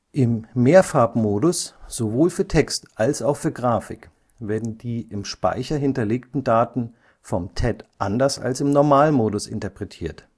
Im Mehrfarbmodus (engl. multi colour mode) sowohl für Text als auch für Grafik werden die im Speicher hinterlegten Daten vom TED anders als im Normalmodus interpretiert